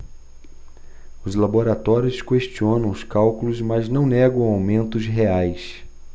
os laboratórios questionam os cálculos mas não negam aumentos reais